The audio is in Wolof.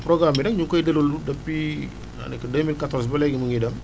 programme bi nag ñu ngi koy déroul depuis daanaka 2014 ba léegi mu ngi dem